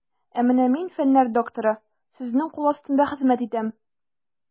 Ә менә мин, фәннәр докторы, сезнең кул астында хезмәт итәм.